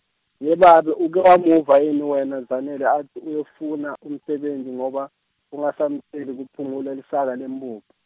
Yebabe uke wamuva yini wena Zanele atsi uyofuna umsebenti ngoba, kungasamtjeli kuphungula lisaka lemphuphu.